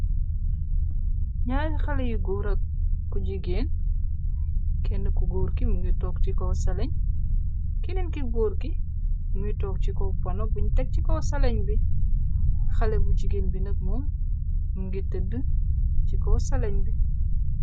Gñaari xalé yu góora ku jigéen, kenn ku góor ki mu ngi toog ci kow salañ, keneen ki góor ki, mungiy toog ci kow pono buñ teg ci kow salañ bi, xalé bu jigéen bi nag moom ,mu ngi tëdd ci kow salañ bi.